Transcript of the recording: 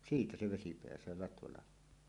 siitä se vesi pääsee latvalahoon